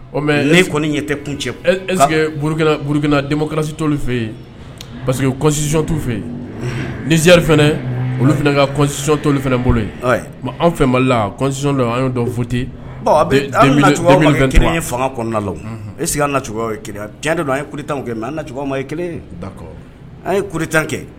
Ɔ mɛ ne kɔni ɲɛ tɛ kun cɛ ezurukinasitɔ fɛ yen parce quesi tu fɛ yen ni zri fana olu fana katɔli fana bolo ye an fɛ' lasi an dɔn futi ye fanga kɔnɔnalaw e sigi nacogo ye kelen tiɲɛ tɛ don an ye kurutan kɛ an na cogoyama ye kelen an ye kurutan kɛ